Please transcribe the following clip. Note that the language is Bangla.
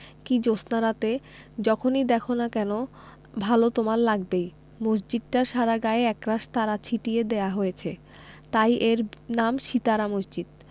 কি জ্যোৎস্নারাতে যখনি দ্যাখো না কেন ভালো তোমার লাগবেই মসজিদটার সারা গায়ে একরাশ তারা ছিটিয়ে দেয়া হয়েছে তাই এর নাম সিতারা মসজিদ